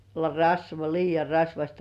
se on - liian rasvaista